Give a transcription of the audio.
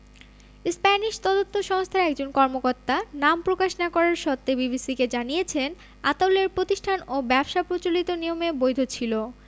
Spanish তদন্ত সংস্থার একজন কর্মকর্তা নাম প্রকাশ না করার শর্তে বিবিসিকে জানিয়েছেন আতাউলের প্রতিষ্ঠান ও ব্যবসা প্রচলিত নিয়মে বৈধ ছিল